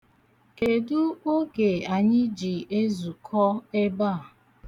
Kedụ oge anyị ji ezukọ ebe a?